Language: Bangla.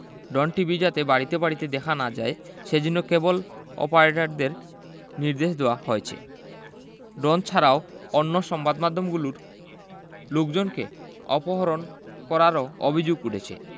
ডন টিভি যাতে বাড়িতে বাড়িতে দেখা না যায় সেজন্যে কেবল অপারেটরদের নির্দেশ দেওয়া হয়েছে ডন ছাড়াও অন্য সংবাদ মাধ্যমগুলোর লোকজনকে অপহরণ করারও অভিযোগ উঠেছে